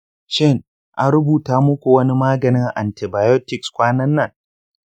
shin an rubuta muku wani maganin antibiotics kwanan nan?